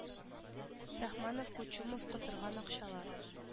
Рахманов кучумов котырган акчалар